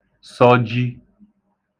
sọji